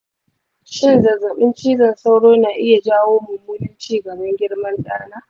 shin zazzabin cizon sauro na iya jawo mummunan ci gaban girman ɗa na?